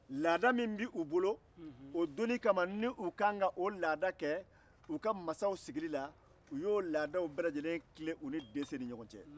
laada min bɛ u bolo o donni kama ni u ka kan ka o laada kɛ u ka mansa sigili la u y'u laada bɛɛ lajɛlen tilen u ni dɛsɛ cɛ